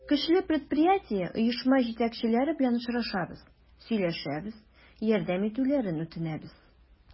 Көчле предприятие, оешма җитәкчеләре белән очрашабыз, сөйләшәбез, ярдәм итүләрен үтенәбез.